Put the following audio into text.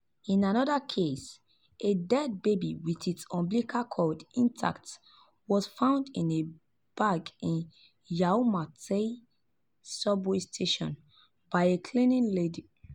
In another case, a dead baby with its umbilical cord intact was found in a bag in Yau Ma Tei subway station by a cleaning lady.